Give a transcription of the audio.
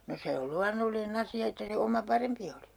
no se on luonnollinen asia että se oma parempi oli